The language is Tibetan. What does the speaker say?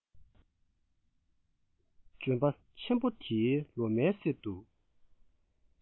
ལྗོན པ ཆེན པོ འདིའི ལོ མའི གསེབ ཏུ